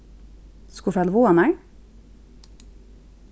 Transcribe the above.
skulu vit fara til vágarnar